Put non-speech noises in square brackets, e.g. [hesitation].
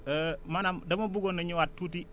[hesitation] maanaam dama buggoon a ñëwaat tuuti